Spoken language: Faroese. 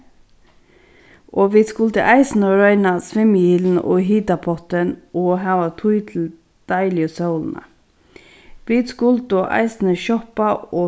og vit skuldu eisini royna svimjihylin og hitapottin og hava tíð til deiligu sólina vit skuldu eisini sjoppa og